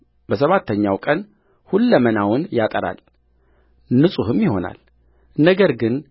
በሰባተኛው ቀን ሁለመናውን ያጠራል ንጹሕም ይሆናል ነገር ግን